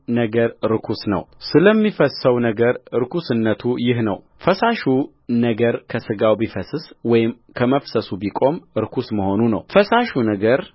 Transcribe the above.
ነገር ርኩስ ነውስለሚፈስሰው ነገር ርኵስነቱ ይህ ነው ፈሳሹ ነገር ከሥጋው ቢፈስስ ወይም ከመፍሰሱ ቢቆም ርኩስ መሆኑ ነውፈሳሽ ነገር